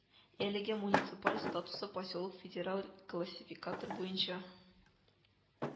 Әлегә муниципаль статусы поселок федераль классификатор буенча